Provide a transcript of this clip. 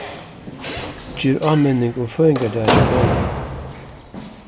ger áminning um føðingardag hjá konuni